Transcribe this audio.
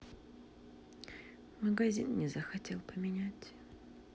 магазин не захотел поменять